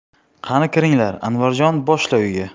qani kiringlar anvarjon boshla uyga